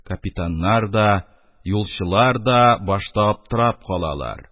Капитаннар да, юлчылар да башта аптырап калалар.